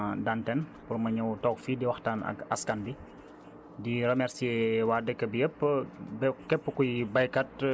bon xanaa di la remercier d' abord yow mii ma invité jox ma temps d' antenne ba ma ñëw toog fii di waxtaan ak askan bi